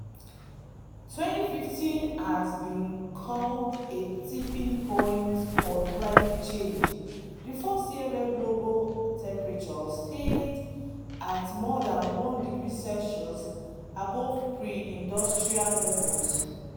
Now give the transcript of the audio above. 2015 has been called a tipping point on climate change; the first year where global temperatures stayed at more than 1°C above preindustrial levels.